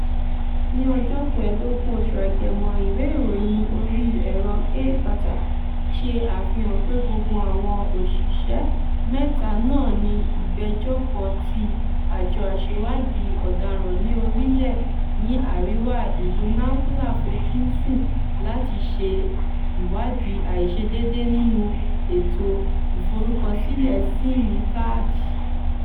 Ní ọjọ́ 15 oṣù Agẹmọ, ìwé ìròyìn orí ẹ̀rọ A Carta ṣe àfihàn pé gbogbo àwọn òṣìṣẹ́ mẹ́ta náà ni ìgbẹ́jọ́ kan tí Àjọ Aṣèwádìí Ọ̀daràn ní Orílẹ̀ ní àríwá ìlú Nampula fojú sùn láti lè ṣe ìwádìí àìṣedéédé nínú ètò ìforúkọsílẹ̀ SIM kaàdì.